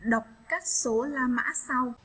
đọc các số la mã sau